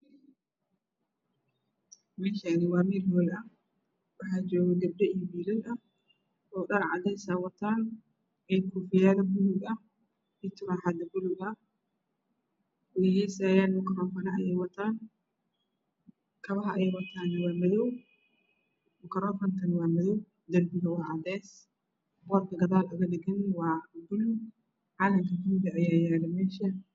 Meeshani waa meel hool ah oo dhar cadays ah way heesayan makarofan ayaya wataan kabaha ay wataan waa madaw makarofanku waa cadaan